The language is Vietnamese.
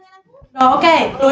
đầu